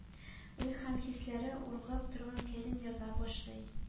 Уй һәм хисләре ургып торган Кәрим яза башлый.